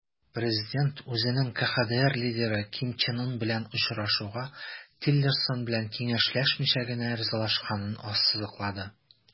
Президент үзенең КХДР лидеры Ким Чен Ын белән очрашуга Тиллерсон белән киңәшләшмичә генә ризалашканын ассызыклады.